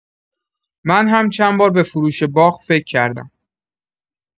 من هم چند بار به فروش باغ فکر کردم.